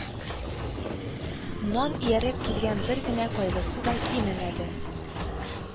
Нан ияреп килгән бер генә кайгысы да кимемәде